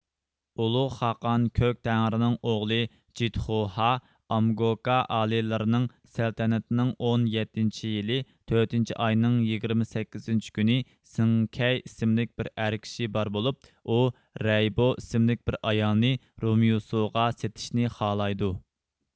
ئۇلۇغ خاقان كۆك تەڭرىنىڭ ئوغلى جىتخۇھا ئامگوكا ئالىيلىرىنىڭ سەلتەنىتىنىڭ ئون يەتتىنچى يىلى تۆتىنچى ئاينىڭ يىگىرمە سەككىزىنچى كۈنى سېڭكەي ئىسىملىك بىر ئەر كىشى بار بولۇپ ئۇ رەيبو ئىسىملىك بىر ئايالنى رومېيسۇغا سېتىشنى خالايدۇ